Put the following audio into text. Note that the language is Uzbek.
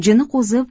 jini qo'zib